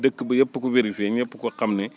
dëkk bi yëpp a ko vérifié ñëpp ko xam ne